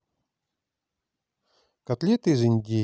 котлеты из индейки